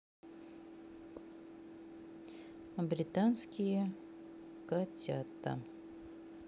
британские котята